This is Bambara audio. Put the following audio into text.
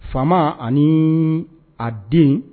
Faama ani a den